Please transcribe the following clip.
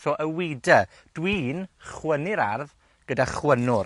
chwynwr, so a weeder. Dwi'n chwynnu'r ardd gyda chwynwr.